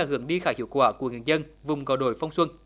hướng đi khá hiệu quả của người dân vùng cao đổi phong xuân